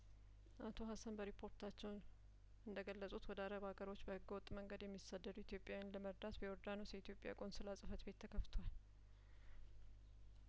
አቶ ሀሰን በሪፖርታቸው እንደገለጹት ወደ አረብ ሀገሮች በህገ ወጥ መንገድ የሚሰደዱ ኢትዮጵያውያንን ለመርዳት በዮርዳኖስ የኢትዮጵያ ቆንስላ ጽፈት ቤት ተከፍቷል